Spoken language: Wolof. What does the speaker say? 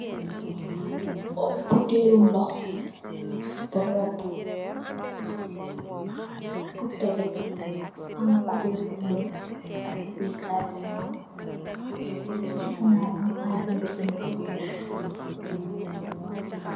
Botale ndox bu robo bu tege si suuf am cuber bu moff ak epe kai bu nuul si ganaw am ay binda binda yu weex.